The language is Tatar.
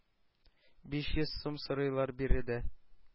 Биш йөз сум сорыйлар биредә.